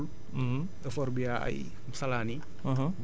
te macha allah salaan jafewul